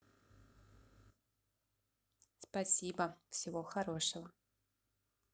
спасибо всего хорошего